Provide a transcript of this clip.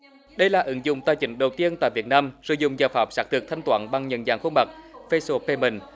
đây là ứng dụng tài chính đầu tiên tại việt nam sử dụng giải pháp xác thực thanh toán bằng nhận dạng khuôn mặt phây sồ phê bình